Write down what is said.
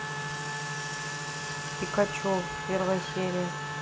пикачу серия первая